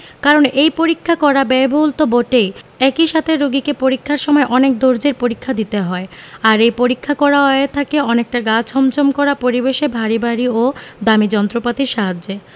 কারণ এই পরীক্ষা করা ব্যয়বহুল তো বটেই একই সাথে রোগীকে পরীক্ষার সময় অনেক ধৈর্য্যের পরীক্ষা দিতে হয় আর এই পরীক্ষা করা হয়ে থাকে অনেকটা গা ছমছম করা পরিবেশে ভারী ভারী ও দামি যন্ত্রপাতির সাহায্যে